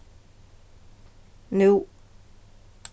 nú